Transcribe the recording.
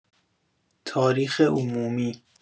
تاریخ عمومی